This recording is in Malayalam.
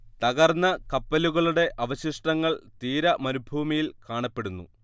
തകർന്ന കപ്പലുകളുടെ അവശിഷ്ടങ്ങൾ തീര മരുഭൂമിയിൽ കാണപ്പെടുന്നു